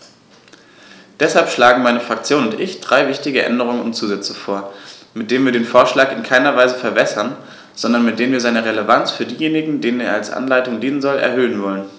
Deshalb schlagen meine Fraktion und ich drei wichtige Änderungen und Zusätze vor, mit denen wir den Vorschlag in keiner Weise verwässern, sondern mit denen wir seine Relevanz für diejenigen, denen er als Anleitung dienen soll, erhöhen wollen.